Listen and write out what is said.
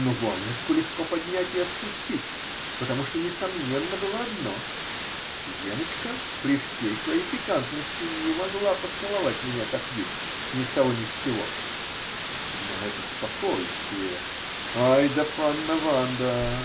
Но вуалетку легко поднять и отпустить, потому что несомненно было одно: веночка, при всей своей пикантности, не могла поцеловать меня как есть -- ни с того ни с сего. Но это спокойствие! Ай да панна Ванда!